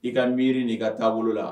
I ka miiri nin i ka taabolo la